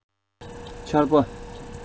ཆར པ